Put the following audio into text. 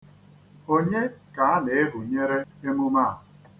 Onye ka a na-ehunyere emume a.